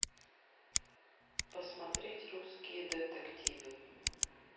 посмотреть русские детективы